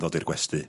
...ddod i'r gwesty.